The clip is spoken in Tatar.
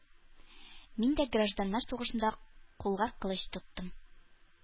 Мин дә гражданнар сугышында кулга кылыч тоттым